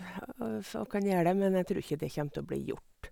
og f Og kan gjer det, men jeg tror ikke det kjem til å bli gjort.